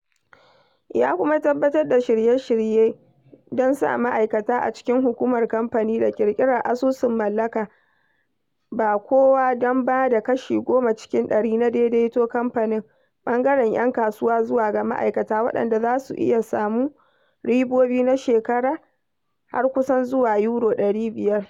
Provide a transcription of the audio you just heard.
Ya kuma tabbatar da shirye-shiryen don sa ma'aikata a cikin hukumar kamfani da ƙirƙirar Asusunan Mallaka Ba Kowa don ba da kashi 10 cikin ɗari na daidaito kamfanonin ɓangaren 'yan kasuwa zuwa ga ma'aikata, waɗanda za su iya samun ribobi na shekara har kusan zuwa Euro 500.